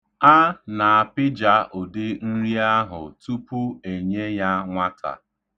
A na-apịja ụdị nri ahụ tupu e nye ya nwata.